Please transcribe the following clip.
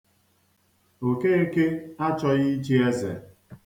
Okeke achọghị ichi eze.